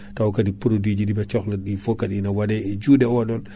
taw kaadi produit ji ɗiɓe cohlata ɗi foof kaadi ne waɗe e juve oɗon